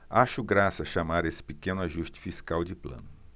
acho graça chamar esse pequeno ajuste fiscal de plano